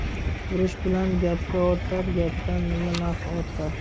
urush bilan gap ortar gapdan nima naf ortar